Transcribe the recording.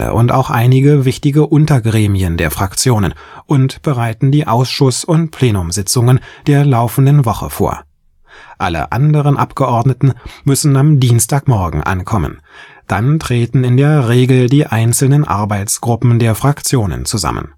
und auch einige wichtige Untergremien der Fraktionen und bereiten die Ausschuss - und Plenumssitzungen der laufenden Woche vor. Alle anderen Abgeordneten müssen am Dienstagmorgen ankommen, dann treten in der Regel die einzelnen Arbeitsgruppen der Fraktionen zusammen